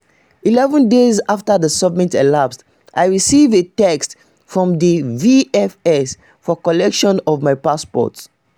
11 days after the summit elapsed, I received a text from the VFS for collection of my passport.